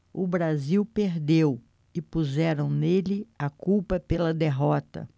o brasil perdeu e puseram nele a culpa pela derrota